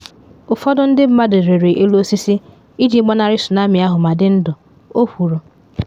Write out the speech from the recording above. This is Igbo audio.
Ụfọdụ ndị mmadụ rịrị elu osisi iji gbanarị tsunami ahụ ma dị ndụ, o kwuru.